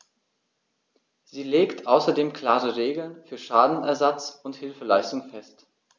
Sie legt außerdem klare Regeln für Schadenersatz und Hilfeleistung fest.